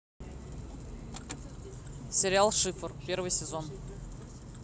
сериал шифр первый сезон